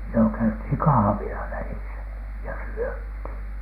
jo käytiin kahvilla välissä ja syötiin